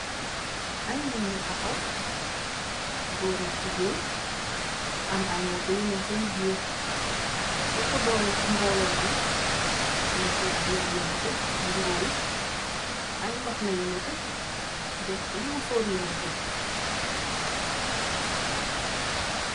Ay nit ñu taxaw góor ak jigéen am ay moto yu na sen biir ëpu doolé ci mbooloo mi nak nuge sol ay yëre yi nete nduróole aye mbaxna yu nete deftam musoor yu nete.